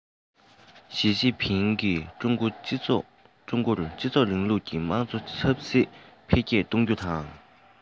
ཞིས ཅིན ཕིང གིས ཀྲུང གོར སྤྱི ཚོགས རིང ལུགས ཀྱི དམངས གཙོ ཆབ སྲིད འཕེལ རྒྱས གཏོང རྒྱུ དང